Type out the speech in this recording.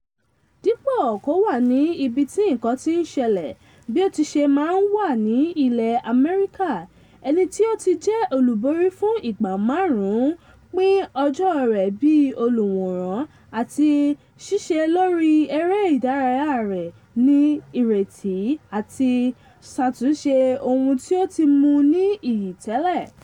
Dípò kò wà ní ibi tí nǹkan tí ń ṣelẹ̀, bí ó ti ṣe máa ń wà ní ilẹ̀ Amẹ́ríkà, ẹni tí ó ti jẹ́ olùborí fún ìgbà márùn ún pín ọjọ́ rẹ̀ bíi olùwòran àti ṣíṣẹ́ lórí i eré ìdárayá rẹ̀ ní ìrètí àti ṣàtúnṣe ohun tí ó ti mú u ní iyì tẹ́lẹ̀.